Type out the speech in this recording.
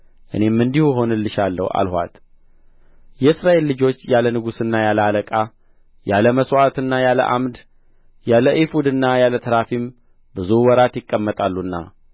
እኔም እንዲሁ እሆንልሻለሁ አልኋት የእስራኤል ልጆች ያለ ንጉሥና ያለ አለቃ ያለ መሥዋዕትና ያለ ዓምድ ያለ ኤፉድና ያለ ተራፊም ብዙ ወራት ይቀመጣሉና